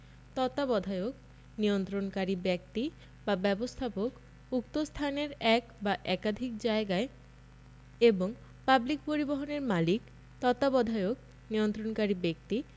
তত্ত্বাবধায়ক নিয়ন্ত্রণকারী ব্যক্তিবা ব্যবস্থাপক উক্ত স্থানের এক বা একাধিক জায়গায় এবং পাবলিক পরিবহণের মালিক তত্ত্বাবধায়ক নিয়ন্ত্রণকারী ব্যক্তি